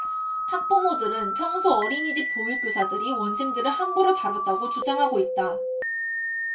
학부모들은 평소 어린이집 보육교사들이 원생들을 함부로 다뤘다고 주장하고 있다